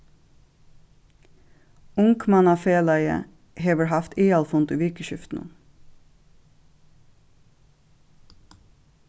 ungmannafelagið hevur havt aðalfund í vikuskiftinum